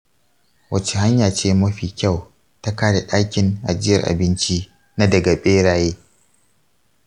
wace hanya ce mafi kyau ta kare ɗakin ajiyar abinci na daga beraye?